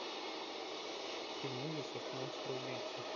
фильм ужасов монстры убийцы